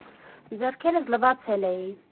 Ձեռքերս լվացել էի։